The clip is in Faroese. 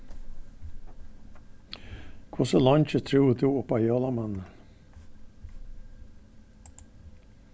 hvussu leingi trúði tú upp á jólamannin